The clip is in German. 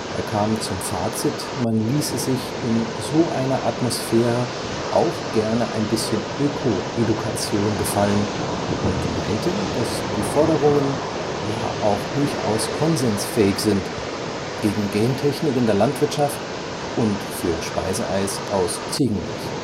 Er kam zum Fazit, man ließe sich in „ so einer Atmosphäre […] auch gerne ein bisschen Öko-Edukation gefallen “und meinte, dass „ [d] ie Forderungen […] ja auch durchaus konsensfähig sind: gegen Gentechnik in der Landwirtschaft – und für Speiseeis aus Ziegenmilch